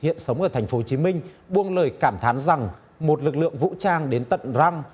hiện sống ở thành phố chí minh buông lời cảm thán rằng một lực lượng vũ trang đến tận răng